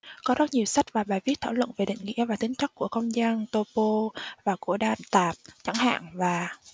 có rất nhiều sách và bài viết thảo luận về định nghĩa và tính chất của không gian tô pô và của đa tạp chẳng hạn và